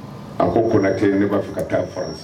A ko kotɛ ne b'a fɛ ka taa fɔ